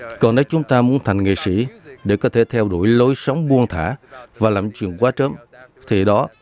còn nếu chúng ta muốn thành nghệ sĩ để có thể theo đuổi lối sống buông thả và làm chuyện quá chớn thì đó